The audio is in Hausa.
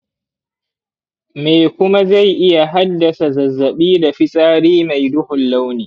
me kuma zai iya haddasa zazzaɓi da fitsari mai duhun launi?